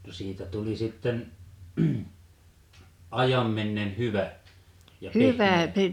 no siitä tuli sitten ajan mennen hyvä ja pehmyt